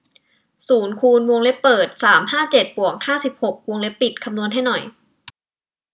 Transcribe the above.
ศูนย์คูณวงเล็บเปิดสามห้าเจ็ดบวกห้าสิบหกวงเล็บปิดคำนวณให้หน่อย